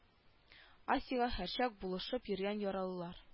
Асяга һәрчак булышып йөргән яралылар